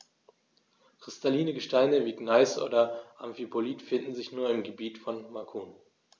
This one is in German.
Kristalline Gesteine wie Gneis oder Amphibolit finden sich nur im Gebiet von Macun.